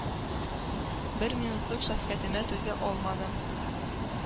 Бер минутлык шәфкатемә түзә алмадың;